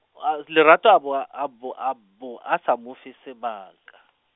Lorato a bo a bo a bo, a sa mo fe sebaka.